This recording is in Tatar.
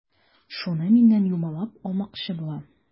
Шуны миннән юмалап алмакчы була.